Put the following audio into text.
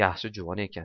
yaxshi juvon ekan